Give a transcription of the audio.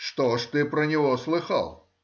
— Что же ты про него слыхал?